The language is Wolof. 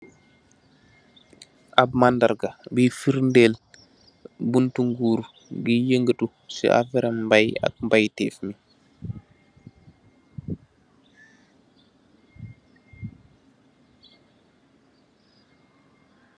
Ap mandarga búy fridel buttu nguur bi yengatu si aferi mbay ak mbaytef mi.